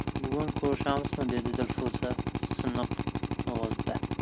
bugun ko'rishamizmi dedi dilfuza siniq ovozda